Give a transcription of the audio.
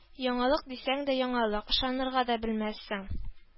Яңалык дисәң дә яңалык. Ышанырга да белмәссең